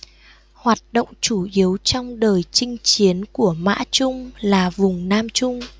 hoạt động chủ yếu trong đời chinh chiến của mã trung là vùng nam trung